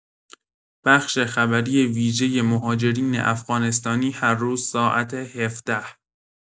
بخش خبری ویژه مهاجرین افغانستانی هر روز ساعت ۱۷